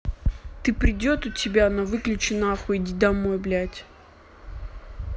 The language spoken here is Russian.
ты придет у тебя на выключи нахуй иди домой блядь